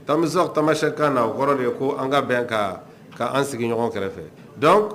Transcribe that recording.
Tanmisa tamasɛki kan na,o kɔrɔ de ye ko an ka bɛn ka ka sigiɲɔgɔn kɛrɛfɛ. Donc